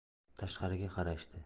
tashqariga qarashdi